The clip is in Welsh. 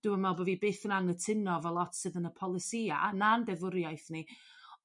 dwi'm yn me'wl bo' fi byth yn anghytuno efo lot sydd yn y polisia na'n deddfwriaeth ni